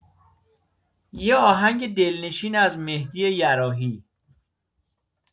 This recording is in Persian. یه آهنگ دلنشین از مهدی یراحی